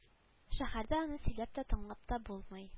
Шәһәрдә аны сөйләп тә тыңлап та булмый